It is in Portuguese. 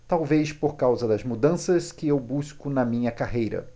talvez por causa das mudanças que eu busco na minha carreira